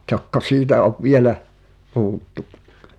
tokko siitä on vielä puhuttu